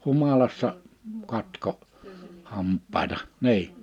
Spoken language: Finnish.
humalassa katkoi hampaita niin